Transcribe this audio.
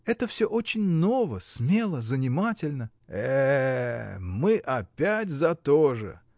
Это всё очень ново, смело, занимательно. мы опять за то же!